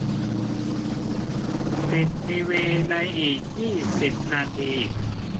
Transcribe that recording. ปิดทีวีในอีกยี่สิบนาที